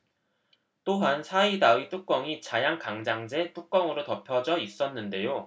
또한 사이다의 뚜껑이 자양강장제 뚜껑으로 덮어져 있었는데요